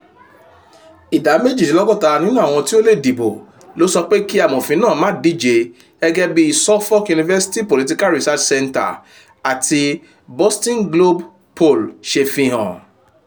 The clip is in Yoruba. Ìdá méjìdínlọ́gọ́ta nínú àwọn tí ó lè dìbò ló sọ pé kí amòfin náà má díje gẹ́gẹ́ bí Suffolk University Political Research Ceenter àti Boston Globe poll ṣe fi hàn.